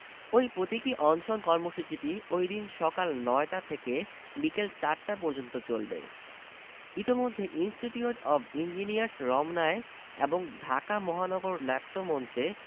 ওই প্রতীকী অনশন কর্মসূচিটি ওইদিন সকাল ৯টা থেকে বিকেল ৪টা পর্যন্ত চলবে ইতোমধ্যে ইন্সটিটিউট অব ইঞ্জিনিয়ার্স রমনায় এবং ঢাকা মহানগর নাট্যমঞ্চে